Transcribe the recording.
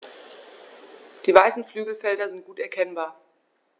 Die weißen Flügelfelder sind gut erkennbar.